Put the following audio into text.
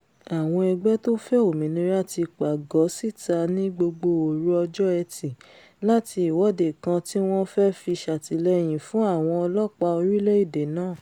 Àwọn ẹgbẹ́ tófẹ́ òmìnira ti pàgọ́ síta ní gbogbo òru ọjọ́ Ẹtì láti ìwọ́de kan tíwọ́n fẹ́ fi ṣàtìlẹyìn fún àwọn ọlọ́ọ̀pá orílẹ̀-èdè náà.